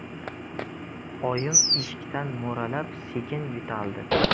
oyim eshikdan mo'ralab sekin yo'taldi